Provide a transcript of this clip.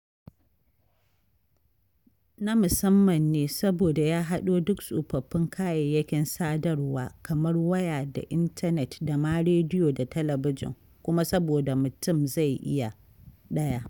Na musamman ne saboda ya haɗo duk tsofaffin kayayyakin sadarwa, kamar waya da Intanet da ma rediyo da talabijin, kuma saboda mutum zai iya: 1.